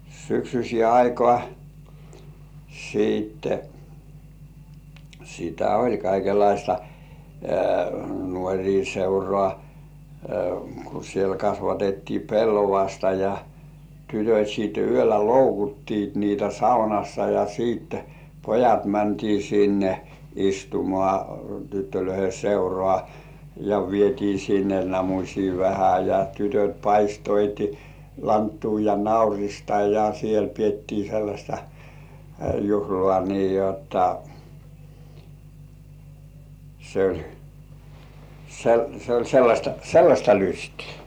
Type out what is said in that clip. syksyiseen aikaan sitten sitä oli kaikenlaista nuorten seuraa kun siellä kasvatettiin pellavasta ja tytöt sitten yöllä loukutti niitä saunassa ja sitten pojat mentiin sinne istumaan tyttöjen seuraa ja vietiin sinne namusia vähän ja tytöt paistoivat lanttua ja naurista ja siellä pidettiin sellaista juhlaa niin jotta se oli se oli se oli sellaista sellaista lystiä